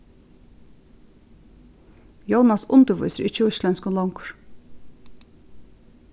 jónas undirvísir ikki í íslendskum longur